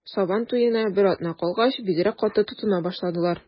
Сабан туена бер атна калгач, бигрәк каты тотына башладылар.